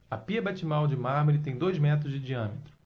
a pia batismal de mármore tem dois metros de diâmetro